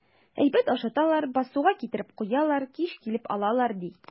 Әйбәт ашаталар, басуга китереп куялар, кич килеп алалар, ди.